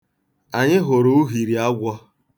Anyị hụrụ uhiri agwọ.